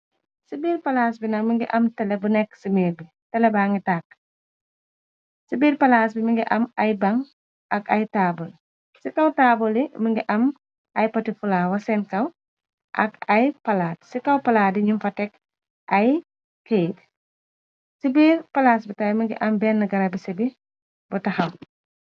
Ci biir palaas bi na mungi am tele bu nekk ci mir b tele ba ngi tàkk c birs bangi am ay bang ak ay taabul c kaw tale bi mungi am ay poti fulawa wa seen kaw ak ay palaat ci kaw palaat yi ñyung fa tekk ay kayte ci biir palaas bi tele mu ngi am benn garabi cibi bu taxaw.